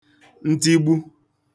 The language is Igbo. ntigbu